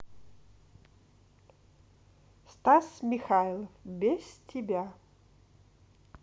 стас михайлов без тебя